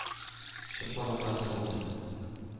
Чынбарлыкта ни булды?